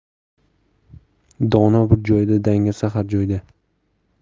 dono bir joyda dangasa har joyda